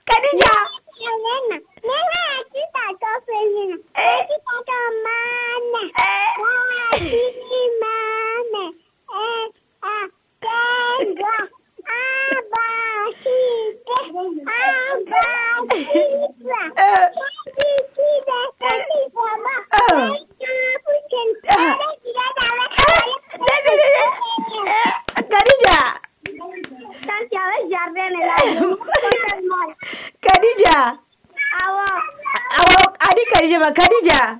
Miniyan faama ka ka se ma faama faama faama se ja tilekari ka ja ja kadi ja faama ka ka ja ka ja